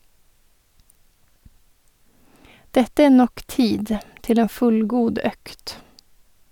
Dette er nok tid til en fullgod økt.